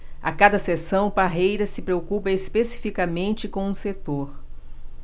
a cada sessão parreira se preocupa especificamente com um setor